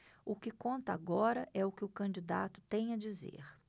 o que conta agora é o que o candidato tem a dizer